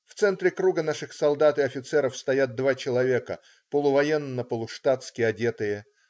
В центре круга наших солдат и офицеров стоят два человека, полувоенно, полуштатски одетые.